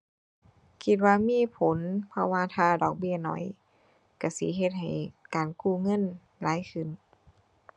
คิดว่ามีผล เพราะว่าถ้าดอกเบี้ยน้อย ก็สิเฮ็ดให้การกู้เงินหลายขึ้น